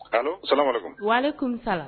Allo salamalekun walekum Salam